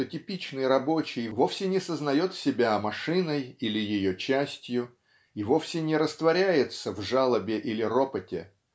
что типичный рабочий вовсе не сознает себя машиной или ее частью и вовсе не растворяется в жалобе или ропоте